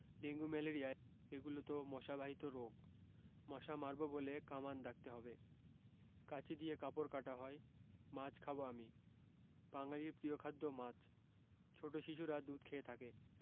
dengue malaria এগুলোত মশাবাহিত রোগ মশা মারব বলে কামান দাগতে হবে কাঁচি দিয়ে কাপড় কাটা হয় মাছ খাবো আমি বাঙালির প্রিয় খাদ্য মাছ ছোট শিশুরা দুধ খেয়ে থাকে